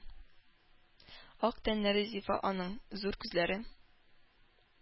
Ак тәннәре зифа аның; зур күзләре